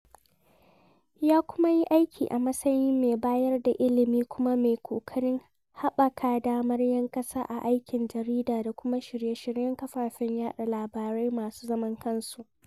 Ya kuma yi aiki a matsayin mai bayar da ilimi kuma mai ƙoƙarin haɓaka damar 'yan ƙasa a aikin jarida da kuma shirye-shiryen kafafen yaɗa labarai masu zaman kansu.